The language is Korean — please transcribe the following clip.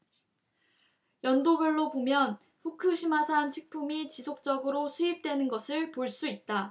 연도별로 보면 후쿠시마산 식품이 지속적으로 수입되는 것을 볼 수 있다